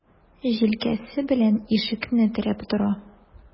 Җилкәсе белән ишекне терәп тора.